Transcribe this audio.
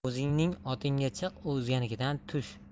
o'zingning otingga chiq o'zganikidan tush